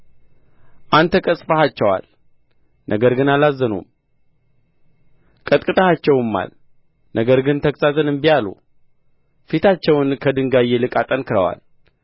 አንተ ቀሥፈሃቸዋል ነገር ግን አላዘኑም ቀጥቅጠሃቸውማል ነገር ግን ተግሣጽን እንቢ አሉ ፊታቸውን ከድንጋይ ይልቅ አጠንክረዋል